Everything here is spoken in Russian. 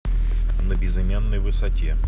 на безымянной высоте